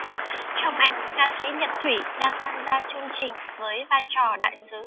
trong ảnh ca sĩ nhật thủy đang tham gia chương trình với vai trò đại sứ